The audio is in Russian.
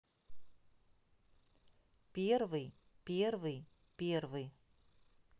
первый первый первый